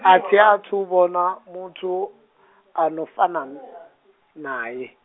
a thi athu u vhona muthu, ano fana n- nae.